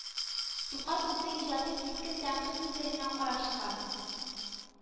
Тукай үзенең иҗатын кискен тәнкыйть күзлегеннән карап чыга